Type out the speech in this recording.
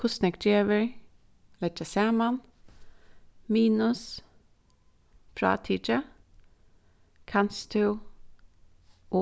hvussu nógv gevur leggja saman minus frátikið kanst tú